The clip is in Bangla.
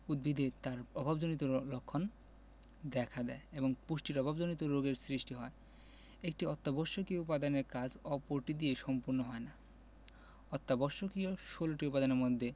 উদ্ভিদে তার অভাবজনিত লক্ষণ দেখা দেয় এবং পুষ্টির অভাবজনিত রোগের সৃষ্টি হয় একটি অত্যাবশ্যকীয় উপাদানের কাজ অপরটি দিয়ে সম্পন্ন হয় না অত্যাবশ্যকীয় ১৬ টি উপাদানের মধ্যে